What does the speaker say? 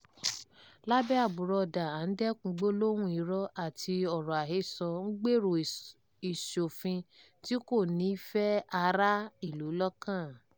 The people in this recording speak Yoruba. Lábẹ́ àbùradà à ń dẹ́kun gbólóhùn irọ́ àti ọ̀rọ̀ àhesọ, ń gbèrò ìṣòfin tí kò ní ìfẹ́ ará ìlú lọ́kàn.